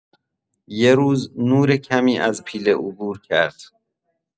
یه روز نور کمی از پیله عبور کرد.